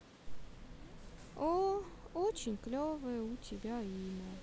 о очень клевое у тебя имя